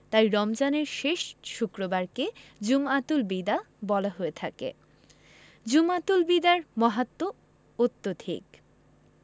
তাই রমজানের শেষ শুক্রবারকে জুমাতুল বিদা বলা হয়ে থাকে জুমাতুল বিদার মাহাত্ম্য অত্যধিক